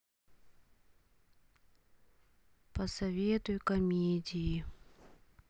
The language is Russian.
посоветуй комедии